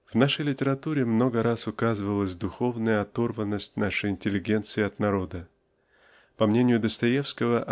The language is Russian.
В нашей литературе много раз указывалась духовная оторванность нашей интеллигенции от народа. По мнению Достоевского